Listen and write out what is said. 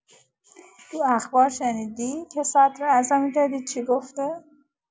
تو اخبار شنیدی که صدراعظم جدید چی گفته؟